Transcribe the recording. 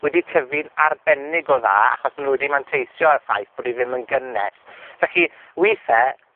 wedi tyfu'n arbennig o dda, achos ma' nw wedi manteisio a'r ffaith bod 'i ddim yn gynnes. Felly, withe